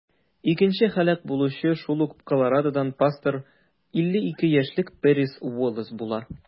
Икенче һәлак булучы шул ук Колорадодан пастор - 52 яшьлек Пэрис Уоллэс була.